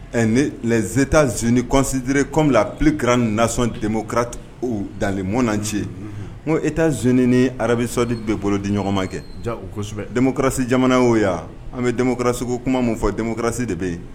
Les USA considérées comme la plus grande nation démocrate dans le monde entier n ko USA ni Arabisawudite bɛ bolodiɲɔgɔnma, kosɛbɛ, démocratie jamana y'o ye wa? An bɛ démocratie ko kuma min fɔ démocratie de bɛ yen wa?